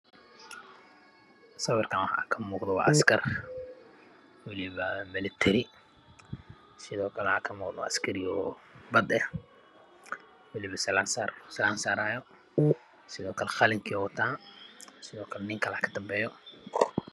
Sawirkan waxaa kamuuqdo waa askar walibo millatary ah sidookale waxaa ka muuqdo askarii oo cidanka badda ah waliba salaan saarayo sidookale qalinki buu wataa sidookale ninkalaa ka danbeeyo